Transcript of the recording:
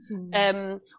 Hmm. Yym.